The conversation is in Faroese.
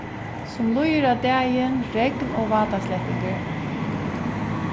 sum líður á dagin regn og vátaslettingur